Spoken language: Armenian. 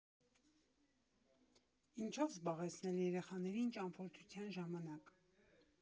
Ինչով զբաղեցնել երեխաներին ճամփորդության ժամանակ։